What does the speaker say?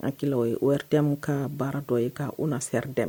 Anki ye o yɛrɛdamu ka baara dɔ ye' u na seri dɛmɛ